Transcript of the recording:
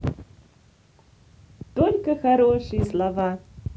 только хорошие слова